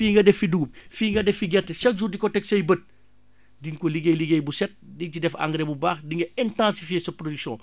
fii nga def fi dugub fii nga def fi gerte chaque jour di ko teg say bët di nga ko liggéey liggéey bu set di nga ci def engrais bu baax di nga intensifier sa production